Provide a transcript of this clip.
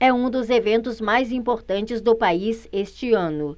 é um dos eventos mais importantes do país este ano